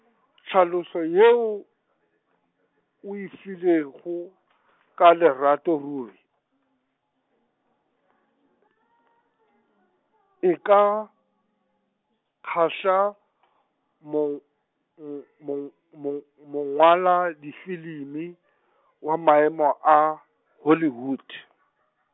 tlhaloso yeo, o e filego , ka lerato ruri , e ka, kgahla , mong, mong, mong mongwaladifilimi wa maemo a, Hollywood .